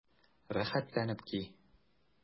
Рәхәтләнеп ки!